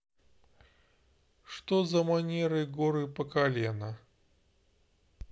что за манеры горы по колено